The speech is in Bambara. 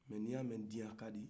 mais niyame diɲa kadi